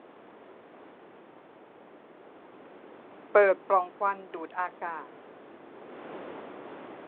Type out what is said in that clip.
เปิดปล่องควันดูดอากาศ